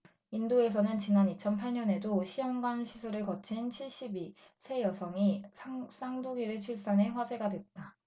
인도에서는 지난 이천 팔 년에도 시험관시술을 거친 칠십 이 세 여성이 쌍둥이를 출산해 화제가 됐다